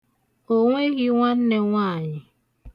O nweghị nwanne nwaanyị.